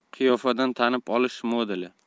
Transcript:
qiyofadan tanib olish modeli